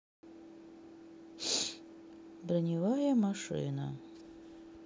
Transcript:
броневая машина